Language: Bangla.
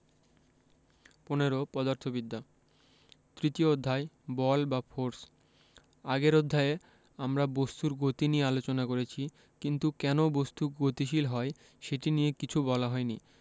১৫ পদার্থবিদ্যা তৃতীয় অধ্যায় বল বা ফোরস আগের অধ্যায়ে আমরা বস্তুর গতি নিয়ে আলোচনা করেছি কিন্তু কেন বস্তু গতিশীল হয় সেটি নিয়ে কিছু বলা হয়নি